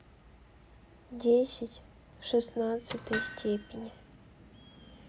десять в шестнадцатой степени